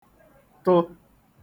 -tụ